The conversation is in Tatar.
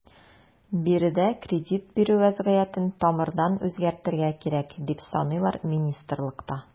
Биредә кредит бирү вәзгыятен тамырдан үзгәртергә кирәк, дип саныйлар министрлыкта.